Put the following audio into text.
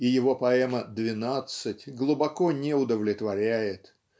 и его поэма "Двенадцать" глубоко не удовлетворяет.